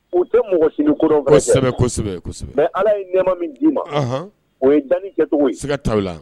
U tɛ mɔgɔ kosɛbɛsɛbɛsɛbɛ ala ye nɛma min d'i ma o ye da ja i tɛ se ka taa la